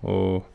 Og